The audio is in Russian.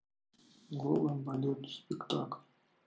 голый балет спектакль